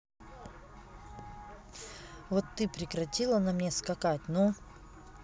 вот ты прекратила на мне скакать ну